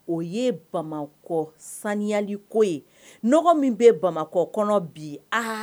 O ye bamakɔ saniyali ko ye min bɛ bamakɔ kɔnɔ bi